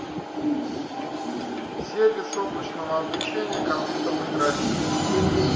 сервис облачного обучения компьютерной графики